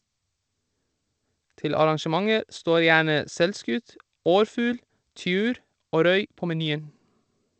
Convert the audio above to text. Til arrangementer står gjerne selvskutt orrfugl, tiur og røy på menyen.